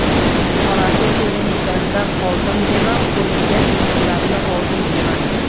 qorasi ko'ringandan qoldim dema qo'lingga tegmaganni oldim dema